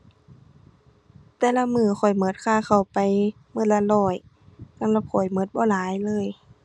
แต่ละมื้อข้อยหมดค่าข้าวไปมื้อละร้อย สำหรับข้อยหมดบ่หลายเลย